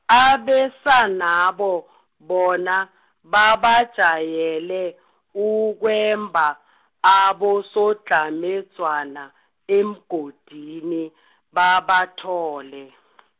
abesanabo , bona, babajayele, ukwemba, abosodlhamedzwana, emigodini, babathole .